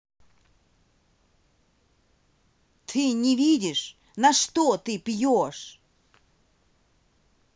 ты не видишь на что ты пьешь